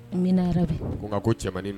N bɛ ko